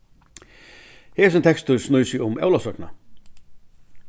hesin tekstur snýr seg um ólavsøkuna